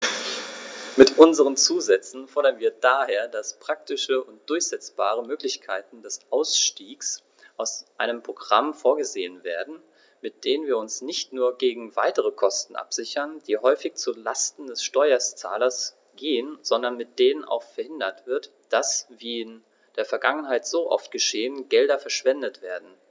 Mit unseren Zusätzen fordern wir daher, dass praktische und durchsetzbare Möglichkeiten des Ausstiegs aus einem Programm vorgesehen werden, mit denen wir uns nicht nur gegen weitere Kosten absichern, die häufig zu Lasten des Steuerzahlers gehen, sondern mit denen auch verhindert wird, dass, wie in der Vergangenheit so oft geschehen, Gelder verschwendet werden.